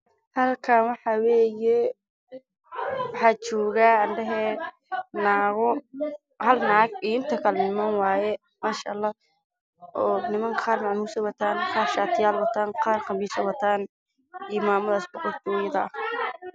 Meeshaan waxaa tuuran niman dheelaya geeleyso waxaa la dhex taagan islaan tii xijaab gudida ah